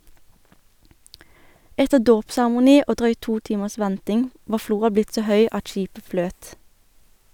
Etter dåpsseremoni og drøyt to timers venting var floa blitt så høy at skipet fløt.